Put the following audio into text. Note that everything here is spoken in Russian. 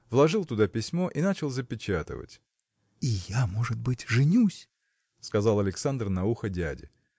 вложил туда письмо и начал запечатывать. – И я, может быть, женюсь! – сказал Александр на ухо дяде.